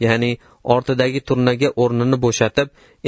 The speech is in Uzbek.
ya'ni ortidagi turnaga o'rnini bo'shatib